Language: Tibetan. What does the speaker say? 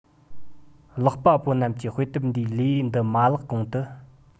ཀློག པ པོ རྣམས ཀྱིས དཔེ དེབ འདིའི ལེའུ འདི མ བཀླགས གོང དུ